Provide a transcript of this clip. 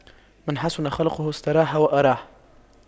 من حسن خُلُقُه استراح وأراح